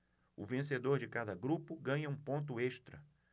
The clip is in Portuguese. o vencedor de cada grupo ganha um ponto extra